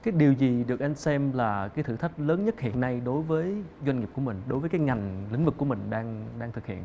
điều gì được anh xem là thử thách lớn nhất hiện nay đối với doanh nghiệp của mình đối với các ngành lĩnh vực của mình đang đang thực hiện